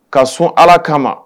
Ka sɔn ala kama